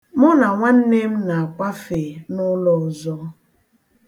Mụ na nwanne m na-akwafe n'ụlọ ọzọ.